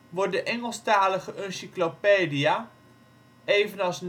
wordt (de Engelstalige) Uncyclopedia, evenals